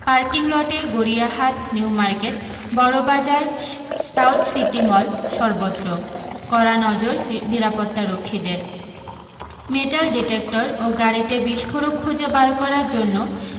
parking লটে Gariahat New Market Bara Bazar South City Mall সর্বত্র কড়া নজর নিরাপত্তারক্ষীদের মেটাল ডিটেক্টর ও গাড়িতে বিস্ফোরক খুঁজে বার করার জন্য